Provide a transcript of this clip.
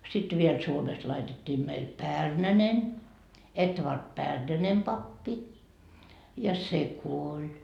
sitten vielä Suomesta laitettiin meille Pärnänen Edvard Pärnänen pappi ja se kuoli